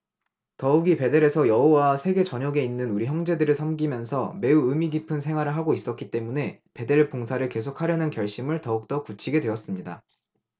더욱이 베델에서 여호와와 세계 전역에 있는 우리 형제들을 섬기면서 매우 의미 깊은 생활을 하고 있었기 때문에 베델 봉사를 계속하려는 결심을 더욱더 굳히게 되었습니다